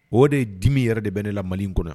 O de ye dimi yɛrɛ de bɛ ne la mali in kɔnɔ